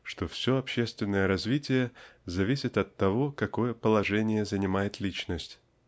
что все общественное развитие зависит от того какое положение занимает личность.